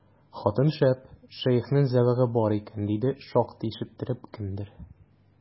Хатын шәп, шәехнең зәвыгы бар икән, диде шактый ишеттереп кемдер.